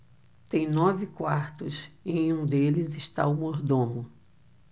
tem nove quartos e em um deles está o mordomo